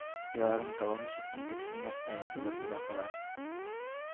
Ояларын табалмыйча интексеннәр әле гөберле бакалар